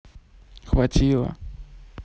хватило